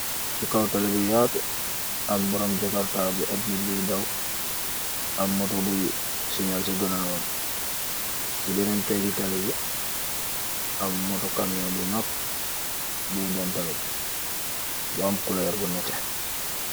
ci kaw talli bu yaatu at boram jagarta bu ebnit buuyi daw ak moto buuy sikñal ci gënaoon ci benneen peggi talli bi ap moto kamion bu makh buy dem tamit waam culoor bu nete